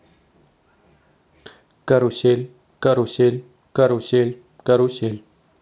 карусель карусель карусель карусель